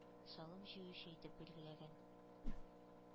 Салым җыючы итеп билгеләгән.